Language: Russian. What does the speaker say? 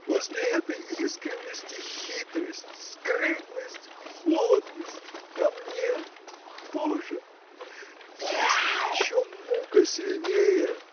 После этой искренности хитрость, скрытность, холодность – ко мне! Боже! есть ли еще мука сильнее?